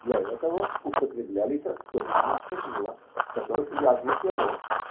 Для этого употреблялись особенные чернила, в которых вязло перо